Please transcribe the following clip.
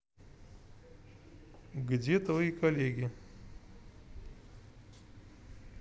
где твои коллеги